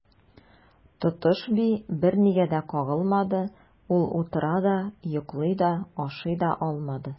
Тотыш би бернигә дә кагылмады, ул утыра да, йоклый да, ашый да алмады.